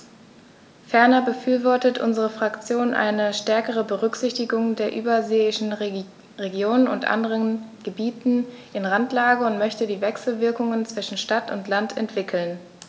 Ferner befürwortet unsere Fraktion eine stärkere Berücksichtigung der überseeischen Regionen und anderen Gebieten in Randlage und möchte die Wechselwirkungen zwischen Stadt und Land entwickeln.